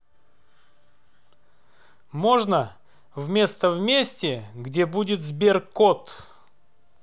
можно вместо вместе где будет сберкот